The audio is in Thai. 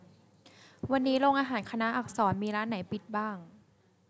วันนี้โรงอาหารคณะอักษรมีร้านไหนปิดบ้าง